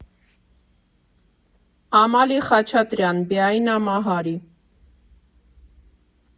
Ամալի Խաչատրյան Բիայնա Մահարի։